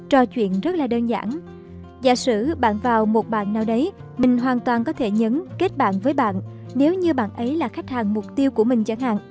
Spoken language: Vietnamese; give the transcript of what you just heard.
trò chuyện rất là đơn giản giả sử bạn vào bạn nào đấy mình hoàn toàn có thể nhấn kết bạn với bạn nếu như bạn ấy là khách hàng mục tiêu của mình chẳng hạn